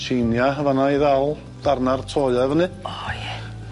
Tsania yn fan 'na i ddal darna'r toia fyny. O ie.